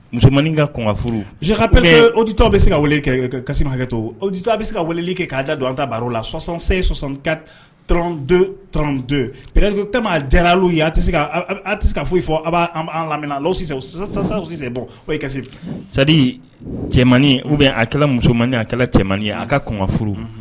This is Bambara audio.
Musomaninin kakanf furu zokaple oditɔ bɛ se ka kasi hakɛkɛ todi a bɛ se ka waleli kɛ k'a da don an ta baro la sɔsanse sɔsɔ ka tdo tdo pɛre dra' ye a a tɛ se ka foyi fɔ b'anan lamminasi bɔ o ye kasi sa cɛmaninin u bɛ a kɛlɛ musomani a kɛlɛ cɛmani a ka kunkanf furu